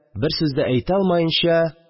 Бер сүз дә әйтә алмаенча